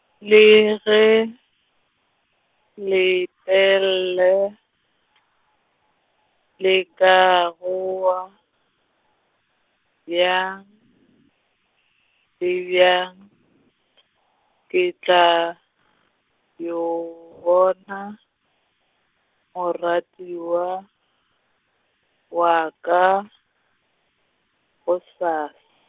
le ge, Lepelle , le ka goa, bjang, le bjang , ke tla, yo bona, moratiwa, wa ka , gosas-.